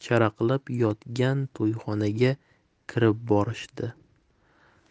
charaqlab yotgan to'yxonaga kirib borishdi